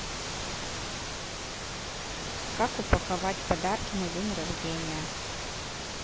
как упаковывать подарки на день рождения